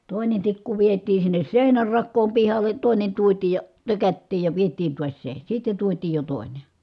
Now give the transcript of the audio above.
toinen tikku vietiin sinne seinän rakoon pihalle toinen tuotiin ja tökättiin ja vietiin taas se sitten tuotiin jo toinen